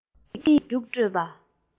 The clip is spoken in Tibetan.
དབྱིན ཡིག གི རྒྱུགས སྤྲོད པ